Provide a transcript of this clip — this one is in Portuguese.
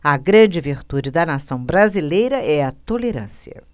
a grande virtude da nação brasileira é a tolerância